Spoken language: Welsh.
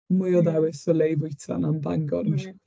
Mwy o ddewis... mm. ...o le i fwyta na yn Bangor .